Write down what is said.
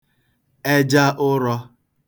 eja ụrọ̄